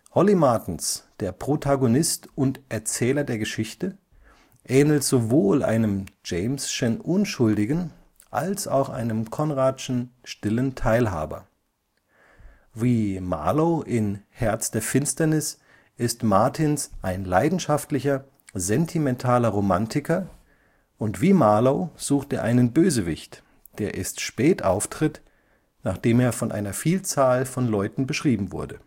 Holly Martins, der Protagonist und Erzähler der Geschichte, ähnelt sowohl einem James’ schen Unschuldigen als auch einem Conradschen stillen Teilhaber. Wie Marlow in Herz der Finsternis ist Martins ein leidenschaftlicher, sentimentaler Romantiker, und wie Marlow sucht er einen Bösewicht, der erst spät auftritt, nachdem er von einer Vielzahl von Leuten beschrieben wurde